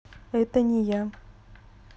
это не я